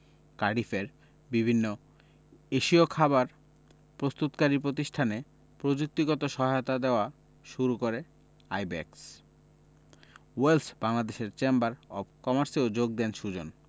কার্ডিফের বিভিন্ন এশীয় খাবার প্রস্তুতকারী প্রতিষ্ঠানে প্রযুক্তিগত সহায়তা দেওয়া শুরু করে আইব্যাকস ওয়েলস বাংলাদেশ চেম্বার অব কমার্সেও যোগ দেন সুজন